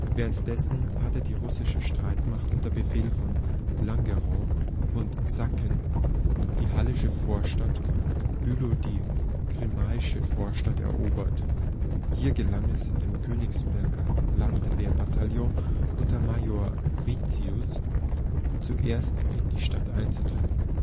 Währenddessen hatte die russische Streitmacht unter Befehl von Langeron und Sacken die Hallesche Vorstadt, Bülow die Grimmaische Vorstadt erobert; hier gelang es dem Königsberger Landwehrbataillon unter Major Friccius, zuerst in die Stadt einzudringen